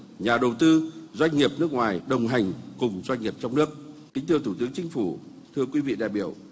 nhà đầu tư doanh nghiệp nước ngoài đồng hành cùng doanh nghiệp trong nước kính thưa thủ tướng chính phủ thưa quý vị đại biểu